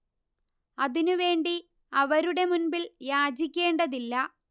അതിനു വേണ്ടി അവരുടെ മുമ്പിൽ യാചിക്കേണ്ടതില്ല